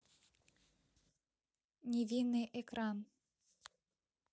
невинный кран